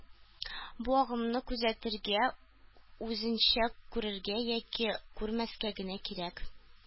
Бу агымны күзәтергә, үзеңчә күрергә, яки күрмәскә генә кирәк